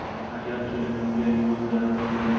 agar kelinimga yo'lda po'lda